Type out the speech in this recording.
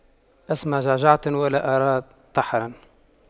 أسمع جعجعة ولا أرى طحنا